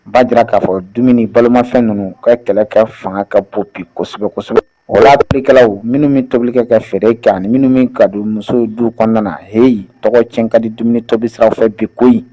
Ba'a jirara k'a fɔ dumuni balimamafɛn ninnu ka kɛlɛ ka fanga ka bon bi kosɛbɛ kosɛbɛ o larikɛlaw minnu tobili kɛ ka feereɛrɛ kan minnu min ka don muso du kɔnɔna na heyi tɔgɔ cɛ ka di dumuni tobi sira fɛ bi ko